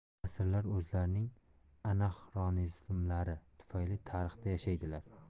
asrlar o'zlarining anaxronizmlari tufayli tarixda yashaydilar